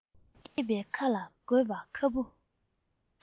སྐྱེས པའི ཁ ལ དགོས པ ཁ སྤུ